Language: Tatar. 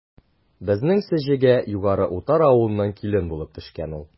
Безнең Сеҗегә Югары Утар авылыннан килен булып төшкән ул.